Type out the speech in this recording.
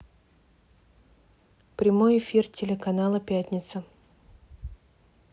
прямой эфир телеканала пятница